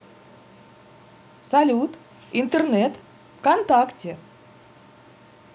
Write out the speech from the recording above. салют интернет вконтакте